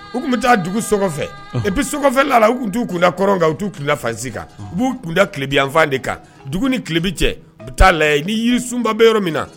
U tun bɛ taa dugu so kɔfɛ i bɛ sofɛla la u tun'u kundaɔrɔn kan u t'u kilafasi kan u b'u kunda kibiyanfan de kan dugu ni ki tilebi cɛ u bɛ taa lajɛ n'i yiri sunba bɛɛ yɔrɔ min na